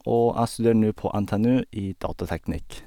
Og jeg studerer nå på NTNU i datateknikk.